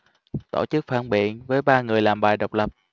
tổ chức phản biện với ba người làm bài độc lập